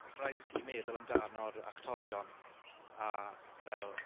Achos ma' raid i ti meddwl amdano'r actorion, a fel...